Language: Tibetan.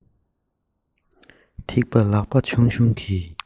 ཐིགས པ ལག པ ཆུང ཆུང གིས